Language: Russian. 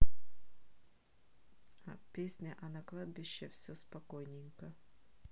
песня а на кладбище все спокойненько